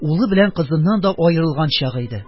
Улы белән кызыннан да аерылган чагы иде.